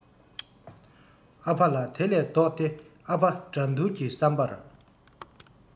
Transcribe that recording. ཨ ཕ ལ དེ ལས ལྡོག སྟེ ཨ ཕ དགྲ འདུལ གི བསམ པར